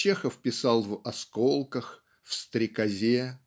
Чехов писал в "Осколках" и "Стрекозе".